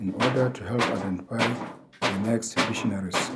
in order to help identify the next visionaries.